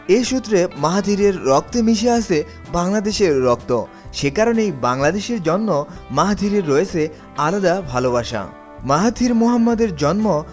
এই সূত্রে মাহাথিরের রক্তে মিশে আছে বাংলাদেশের রক্ত সে কারণেই বাংলাদেশের জন্য মাহাথিরের রয়েছে আলাদা ভালোবাসা মাহাথির মোহাম্মদ এর জন্ম